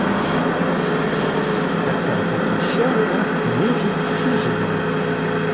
тогда посвящаю вас мужем и женой